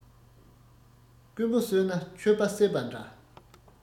རྐུན པོ གསོས ན ཆོས པ བསད པ འདྲ